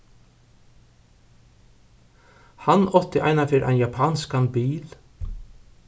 hann átti einaferð ein japanskan bil